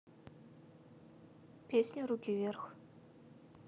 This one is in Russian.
песня руки вверх